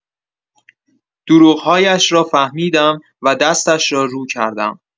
دروغ‌هایش را فهمیدم و دستش را رو کردم.